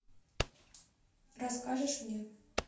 расскажешь мне